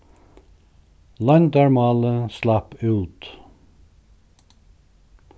loyndarmálið slapp út